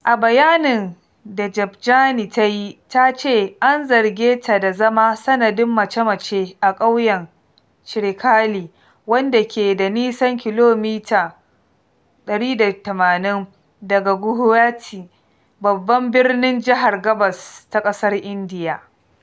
A bayanin da Debjani ta yi ta ce an zarge ta da zama sanadin mace-mace a ƙauyen Cherekali wanda ke da nisan kilomita 180 daga Guhuwati, babban birnin jihar gabas ta ƙasar Indiya.